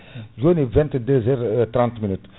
joni 22 heure 30 minutes